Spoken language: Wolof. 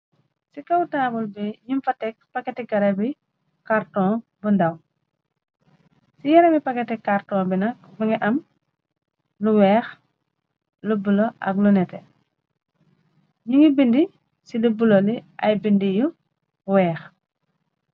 Ci kaw taawul bi nim fa tek paketi garabi kàrton bu ndaw ci yarami paketi kàrton bina bi ngi am lu weex lu bulo ak lu nete ñi ngi bindi ci lu buloli ay bindi yu weex.